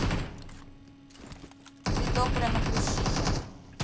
три тополя на плющихе